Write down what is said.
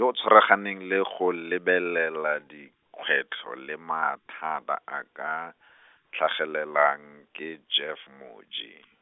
o tshwaraganeng le go lebelela dikgwetlho le mathata a ka , tlhagelelang ke Jeff Moji.